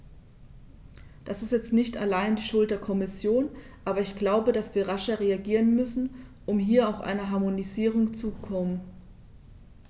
Das ist jetzt nicht allein die Schuld der Kommission, aber ich glaube, dass wir rascher reagieren müssen, um hier auch zu einer Harmonisierung zu kommen.